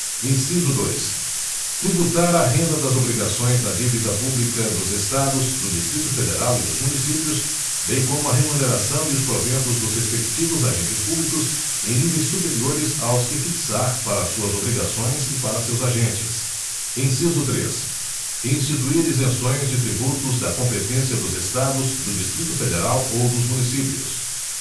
inciso dois tributar a renda das obrigações da dívida pública dos estados do distrito federal e dos municípios bem como a remuneração e os proventos dos respectivos agentes públicos em níveis superiores aos que fixar para suas obrigações e para seus agentes inciso três instituir isenções de tributos da competência dos estados do distrito federal ou dos municípios